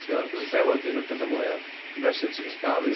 Ti gwbod, achos y llewod 'di un o pethau mwya impressive ti'n gallu cael rili.